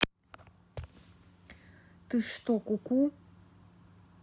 ты что ку ку